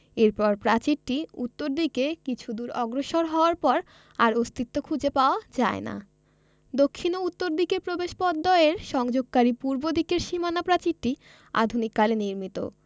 এরপর প্রাচীরটি উত্তর দিকে কিছু দূর অগ্রসর হওয়ার পর আর অস্তিত্ব খুঁজে পাওয়া যায় না দক্ষিণ ও উত্তর দিকের প্রবেশপথদ্বয়ের সংযোগকারী পূর্ব দিকের সীমানা প্রাচীরটি আধুনিক কালে নির্মিত